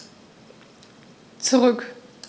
Zurück.